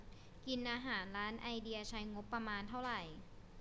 กินอาหารร้านไอเดียใช้งบประมาณเท่าไหร่